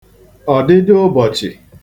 ọ̀dịdịụbọ̀chị̀